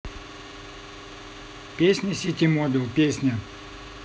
песни ситимобил песня